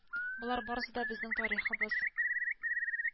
Ни булды соң әле сиңа?